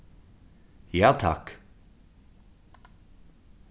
ja takk